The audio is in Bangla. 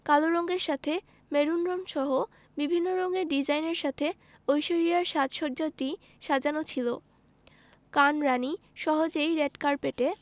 কালো রঙের সাথে মেরুনসহ বিভিন্ন রঙের ডিজাইনের সাথে ঐশ্বরিয়ার সাজ সজ্জাটি সাজানো ছিল কান রাণী সহজেই রেড কার্পেটে